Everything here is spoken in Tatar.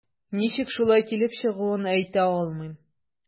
Ничек шулай килеп чыгуын әйтә алмыйм.